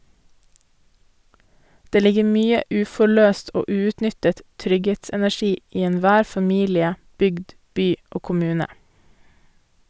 Det ligger mye uforløst og uutnyttet trygghetsenergi i enhver familie, bygd, by og kommune.